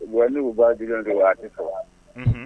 Wa ne u b'a dila don waati fɛ wa